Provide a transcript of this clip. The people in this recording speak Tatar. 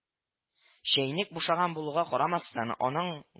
Чәйнек бушаган булуга карамастан, аның